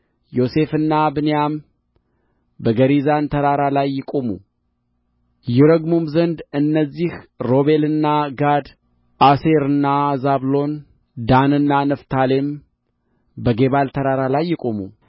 ዮሴፍና ብንያም በገሪዛን ተራራ ላይ ይቁሙ ይረግሙም ዘንድ እነዚህ ሮቤልና ጋድ አሴርና ዛብሎን ዳንና ንፍታሌም በጌባል ተራራ ላይ ይቁሙ